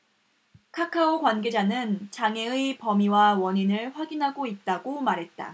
카카오 관계자는 장애의 범위와 원인을 확인하고 있다 고 말했다